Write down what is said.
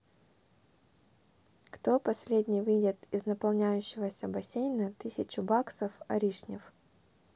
кто последний выйдет из наполняющегося бассейна тысячу баксов аришнев